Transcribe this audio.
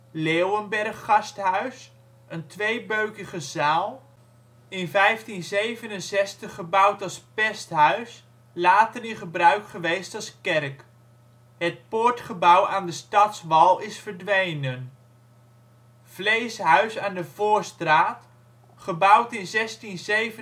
Leeuwenberghgasthuis, een tweebeukige zaal, in 1567 gebouwd als pesthuis, later in gebruik geweest als kerk. Het poortgebouw aan de stadswal is verdwenen. Vleeshuis aan de Voorstraat, gebouwd in 1637